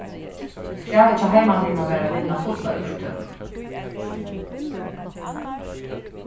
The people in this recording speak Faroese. kravið hjá heimaliðnum var at vinna fulla úrtøku